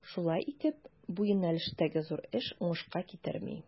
Шулай итеп, бу юнәлештәге зур эш уңышка китерми.